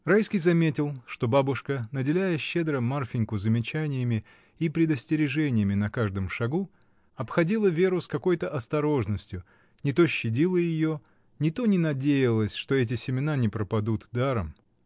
Райский заметил, что бабушка, наделяя щедро Марфиньку замечаниями и предостережениями на каждом шагу, обходила Веру с какой-то осторожностью, не то щадила ее, не то не надеялась, что эти семена не пропадут даром.